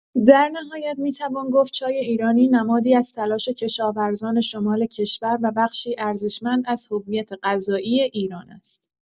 در نهایت می‌توان گفت چای ایرانی نمادی از تلاش کشاورزان شمال کشور و بخشی ارزشمند از هویت غذایی ایران است.